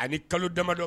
Ani kalo damadɔ